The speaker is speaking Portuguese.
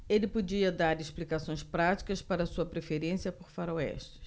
ele podia dar explicações práticas para sua preferência por faroestes